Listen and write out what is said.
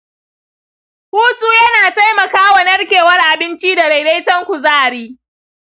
hutu yana taimakawa narkewar abinci da daidaiton kuzari.